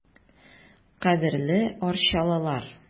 Кадерле арчалылар!